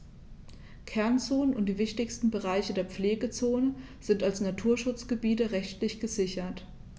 Kernzonen und die wichtigsten Bereiche der Pflegezone sind als Naturschutzgebiete rechtlich gesichert.